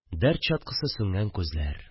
Дәрт чаткысы сүнгән күзләр.